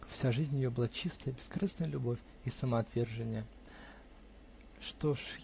Вся жизнь ее была чистая, бескорыстная любовь и самоотвержение. Что ж!